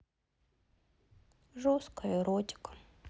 жесткая эротика